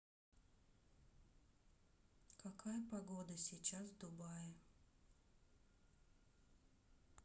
какая погода сейчас в дубае